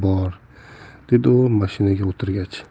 bor dedi u mashinaga o'tirgach